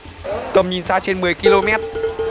tầm nhìn xa trên mười ki lô mét